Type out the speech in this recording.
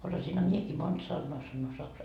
osasinhan minäkin monta sanaa sanoa saksaa